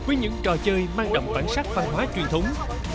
với những trò chơi mang đậm bản sắc văn hóa truyền thống